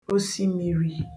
òsìmìrì